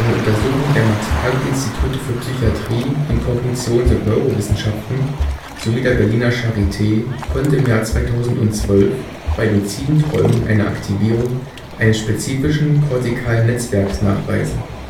Untersuchung der Max-Planck-Institute für Psychiatrie und Kognitions - und Neurowissenschaften sowie der Berliner Charité konnte im Jahr 2012 bei luziden Träumen eine Aktivierung eines spezifischen kortikalen Netzwerks nachweisen